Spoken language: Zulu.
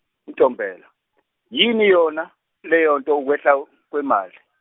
Ntombela, yini yona, leyonto ukwehla kwemali?